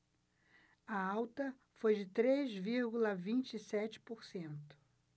a alta foi de três vírgula vinte e sete por cento